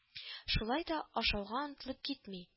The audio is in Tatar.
Шулай да ашауга онытылып китми